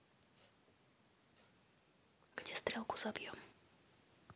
где стрелку забьем